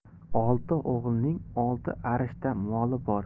olti o'g'illining olti arshda moli bor